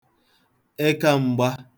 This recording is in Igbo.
ekam̄gbā